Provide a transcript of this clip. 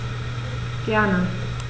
Gerne.